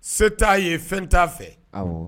Se t'a ye fɛn t'a fɛ